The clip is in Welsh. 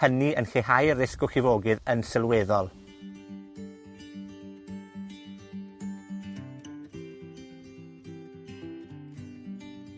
Hynny yn lleihau y risg o llifogydd yn sylweddol.